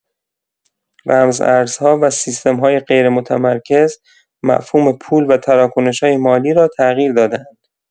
رمزارزها و سیستم‌های غیرمتمرکز، مفهوم پول و تراکنش‌های مالی را تغییر داده‌اند.